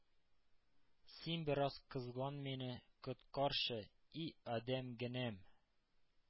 — син бераз кызган мине, коткарчы, и адәмгенәм;